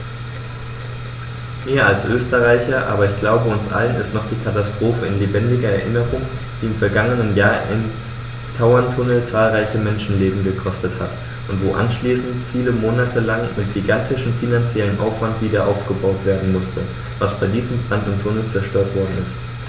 Mir als Österreicher, aber ich glaube, uns allen ist noch die Katastrophe in lebendiger Erinnerung, die im vergangenen Jahr im Tauerntunnel zahlreiche Menschenleben gekostet hat und wo anschließend viele Monate lang mit gigantischem finanziellem Aufwand wiederaufgebaut werden musste, was bei diesem Brand im Tunnel zerstört worden ist.